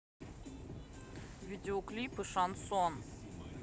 видеоклипы шансон